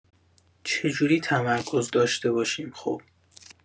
چجوری تمرکز داشته باشیم خب؟